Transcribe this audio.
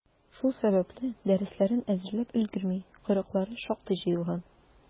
Шул сәбәпле, дәресләрен әзерләп өлгерми, «койрыклары» шактый җыелган.